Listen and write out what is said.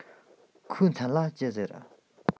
ཁོའི མཚན ལ ཅི ཟེར